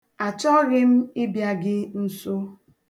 A chọghị m ịbịa gị nso.